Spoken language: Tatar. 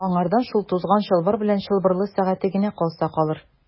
Аңардан шул тузган чалбар белән чылбырлы сәгате генә калса калыр.